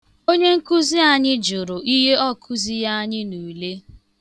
Onye nkuzi anyị jụrụ ihe ọ kuzighi anyị n' ule.